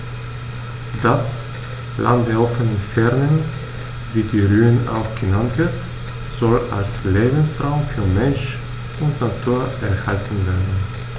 Das „Land der offenen Fernen“, wie die Rhön auch genannt wird, soll als Lebensraum für Mensch und Natur erhalten werden.